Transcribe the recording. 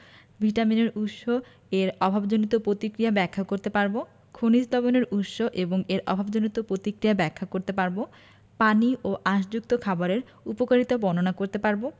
ভিটামিনের উৎস এবং এর অভাবজনিত পতিক্রিয়া ব্যাখ্যা করতে পারব খনিজ লবণের উৎস এবং এর অভাবজনিত পতিক্রিয়া ব্যাখ্যা করতে পারব পানি ও আশযুক্ত খাবারের উপকারিতা বর্ণনা করতে পারব